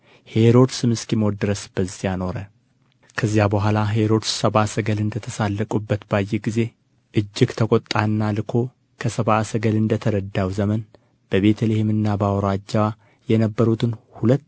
ሄሮድስም እስኪሞት ድረስ በዚያ ኖረ ከዚህ በኋላ ሄሮድስ ሰብአ ሰገል እንደ ተሣለቁበት ባየ ጊዜ እጅግ ተቆጣና ልኮ ከሰብአ ሰገል እንደ ተረዳው ዘመን በቤተ ልሔምና በአውራጃዋ የነበሩትን